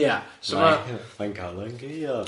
Ie so ma'. Mae'n Calan Gaeaf.